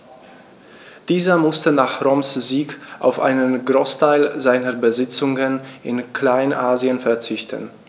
Dieser musste nach Roms Sieg auf einen Großteil seiner Besitzungen in Kleinasien verzichten.